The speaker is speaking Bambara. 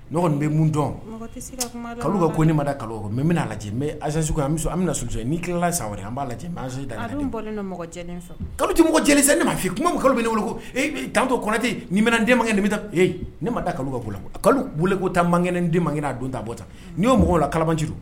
Mɔgɔ bɛ mun dɔn kalo ka ko ne ma da kalo mɛ bɛna lajɛzsiw an bɛ na su n'i tilala sa wɛrɛ an b'a lajɛ kalo tɛmɔgɔ j ne mafin i kuma kalo bɛ ne wolo ko tantɔ kote ni bɛna den mankɛ bɛ ne ma da kalo bɛ bolo kalo weele ko taa mankɛ den mankɛ n'a don ta bɔ tan n'i y'o mɔgɔw la kalabaji